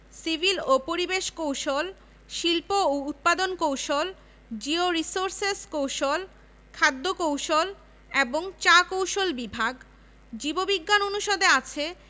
রসায়ন এবং অর্থনীতি এ তিনটি বিভাগ ১৩ জন শিক্ষক এবং ২০৫ জন শিক্ষার্থী নিয়ে শিক্ষাক্রম শুরু করে বর্তমানে এর ৭টি অনুষদ ও ২২টি বিভাগ